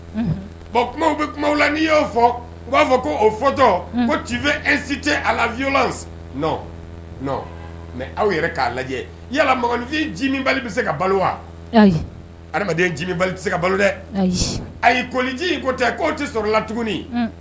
Kuma bɛ kuma la n'i y'o fɔ u b'a fɔ fɔtɔ ko tife esi tɛ a lafiy mɛ aw yɛrɛ k'a lajɛ yalainfin ji bali bɛ se ka balo wa adamaden bali se ka balo dɛ ayi koliji in ko tɛ tɛ sɔrɔ la tuguni